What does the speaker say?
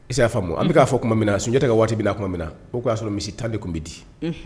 Si'a faamumu an bɛ k'a fɔ tuma min na sunjatajɛ tɛ ka waati bɛna tuma min na o y'a sɔrɔ misi tan de tun bɛ di